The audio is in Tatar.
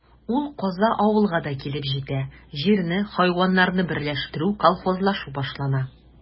Ул каза авылга да килеп җитә: җирне, хайваннарны берләштерү, колхозлашу башлана.